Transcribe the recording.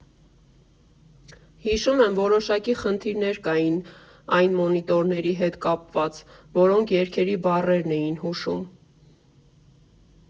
Հիշում եմ՝ որոշակի խնդիրներ կային այն մոնիտորների հետ կապված, որոնք երգերի բառերն էին հուշում…